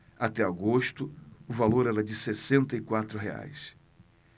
até agosto o valor era de sessenta e quatro reais